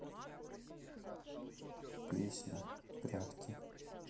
песня прятки